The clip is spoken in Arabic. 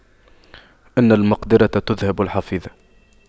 إن المقْدِرة تُذْهِبَ الحفيظة